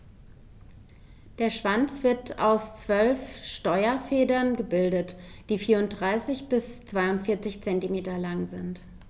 Der Schwanz wird aus 12 Steuerfedern gebildet, die 34 bis 42 cm lang sind.